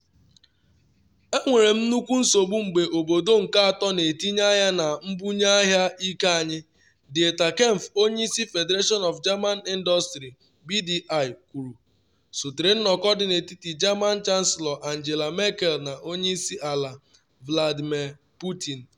“Enwere m nnukwu nsogbu mgbe obodo nke atọ n’etinye anya na mbunye ahịa ike anyị,” Dieter Kempf onye isi Federation of German Industries (BDI) kwuru, sotere nnọkọ dị n’etiti German Chancellor Angela Merkel na Onye Isi Ala Vladmir Putin.